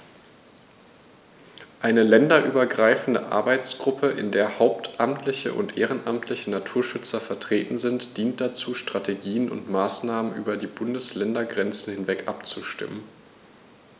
Eine länderübergreifende Arbeitsgruppe, in der hauptamtliche und ehrenamtliche Naturschützer vertreten sind, dient dazu, Strategien und Maßnahmen über die Bundesländergrenzen hinweg abzustimmen.